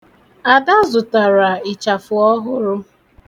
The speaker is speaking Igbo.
Ada zụtara ịchafụ ọhụrụ.